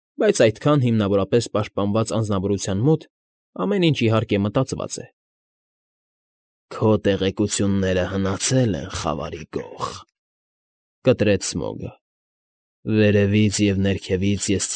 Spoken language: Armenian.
Բայց այդքան հիմնավորապես պաշտպանված անձնավորության մոտ ամեն ինչ, իհարկե, մտածված է։ ֊ Քո տեղեկությունները հնացել են, Խավարի գող, կտրեց Սմոգը։֊ Վերևից և ներքևից ես։